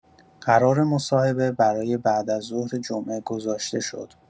قرار مصاحبه برای بعدازظهر جمعه گذاشته شد.